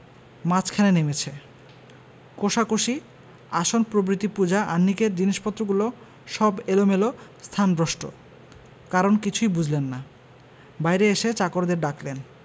মাঝখানে নেমেচে কোষাকুষি আসন প্রভৃতি পূজা আহ্নিকের জিনিসপত্রগুলো সব এলোমেলো স্থানভ্রষ্ট কারণ কিছুই বুঝলেন না বাইরে এসে চাকরদের ডাকলেন